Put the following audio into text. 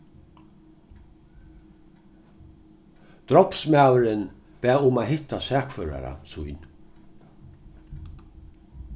drápsmaðurin bað um at hitta sakførara sín